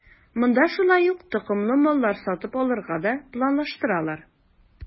Монда шулай ук токымлы маллар сатып алырга да планлаштыралар.